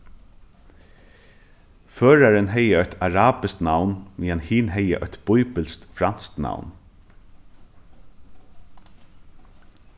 førarin hevði eitt arabiskt navn meðan hin hevði eitt bíbilskt franskt navn